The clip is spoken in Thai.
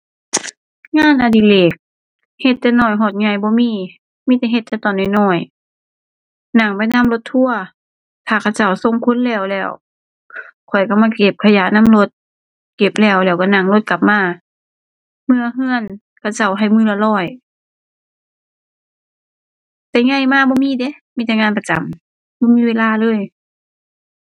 งานอดิเรกเฮ็ดจนน้อยฮอดใหญ่บ่มี มีแต่เฮ็ดแต่ตอนน้อยน้อย นั่งไปนำรถทัวร์ ถ้าเขาเจ้าส่งคนแล้วแล้ว ข้อยก็มาเก็บขยะนำรถ เก็บแล้วแล้วก็นั่งรถกลับมาเมือก็ เขาเจ้าให้มื้อละร้อย แต่ใหญ่มาบ่มีเดะ มีแต่งานประจำบ่มีเวลาเลย